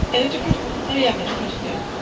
Ydi o'n record- o ia mae'n recordio.